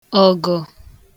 ọ̀gọ̀